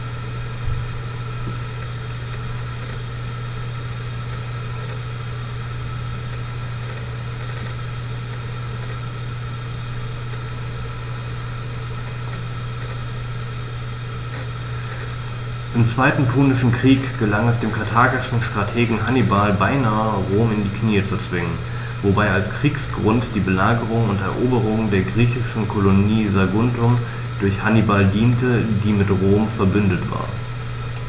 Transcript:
Im Zweiten Punischen Krieg gelang es dem karthagischen Strategen Hannibal beinahe, Rom in die Knie zu zwingen, wobei als Kriegsgrund die Belagerung und Eroberung der griechischen Kolonie Saguntum durch Hannibal diente, die mit Rom „verbündet“ war.